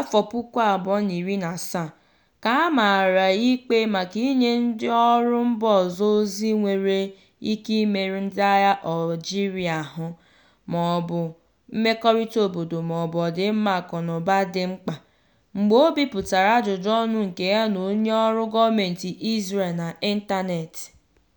2017, ka a mara ikpe maka inye "ndịọrụ mba ọzọ ozi nwere ike imerụ ndịagha Algeria ahụ́ maọbụ mmekọrịta obodo maọbụ ọdịmma akụnaụba dị mkpa" mgbe o bipụtara ajụjụọnụ nke ya na onyeọrụ gọọmentị Israel n'ịntaneetị.